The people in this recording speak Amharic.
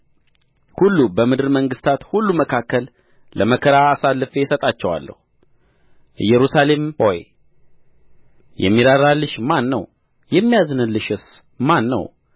ሁሉ በምድር መንግሥታት ሁሉ መካከል ለመከራ አሳልፌ እሰጣቸዋለሁ ኢየሩሳሌም ሆይ የሚራራልሽ ማን ነው የሚያዝንልሽስ ማን ነው